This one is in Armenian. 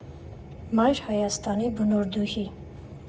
Մայր Հայաստանի բնորդուհի։